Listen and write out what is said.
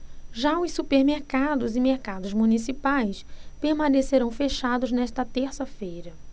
já os supermercados e mercados municipais permanecerão fechados nesta terça-feira